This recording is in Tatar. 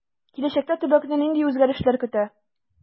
Киләчәктә төбәкне нинди үзгәрешләр көтә?